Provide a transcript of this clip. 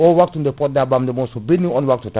o waptu nde poɗɗa ɓamdemo so ɓenni on waptu tan